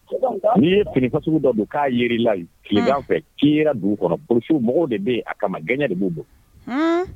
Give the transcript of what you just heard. Ni ye fini fasuku dɔ don ka ye li la yen. Tilegan fɛ . Ki ye la dugu kɔnɔ . polices mɔgɔw de be yen a kama . gɛɲɛ de bu bolo.